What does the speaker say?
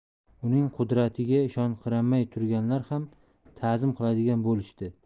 uning qudratiga ishonqiramay turganlar ham ta'zim qiladigan bo'lishdi